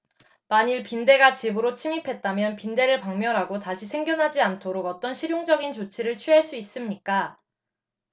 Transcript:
만일 빈대가 집으로 침입했다면 빈대를 박멸하고 다시 생겨나지 않도록 어떤 실용적인 조처를 취할 수 있습니까